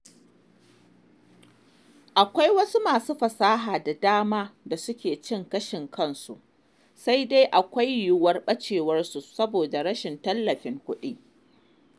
'Akwai wasu masu fasaha da dama da suke cin gashin kansu, sai dai akwai yiwuwar ɓacewarsu saboda rashin tallafin kuɗi''.